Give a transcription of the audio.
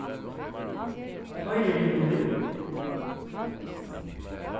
hoyrir tú meg nú